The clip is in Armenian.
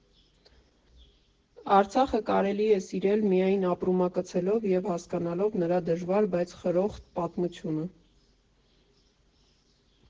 Արցախը կարելի է սիրել միայն ապրումակցելով և հասկանալով նրա դժվար, բայց խրոխտ պատմությունը։